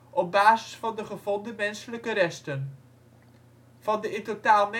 op basis van de gevonden menselijke resten. Van de in totaal